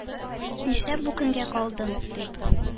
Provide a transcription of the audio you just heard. Нишләп бу көнгә калдың?” – дип,